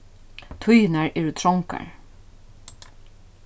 tíðirnar eru trongar